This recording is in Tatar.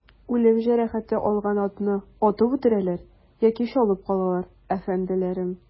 Үлем җәрәхәте алган атны атып үтерәләр яки чалып калалар, әфәнделәрем.